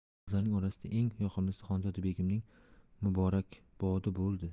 bu so'zlarning orasida eng yoqimlisi xonzoda begimning muborakbodi bo'ldi